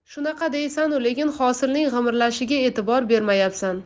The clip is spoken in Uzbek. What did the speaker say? shunaqa deysanu lekin hosilning g'imirlashiga e'tibor bermayapsan